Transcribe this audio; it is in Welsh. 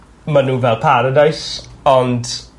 ma' n'w fel paradise ond